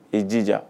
I jija